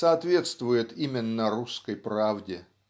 соответствует именно русской правде.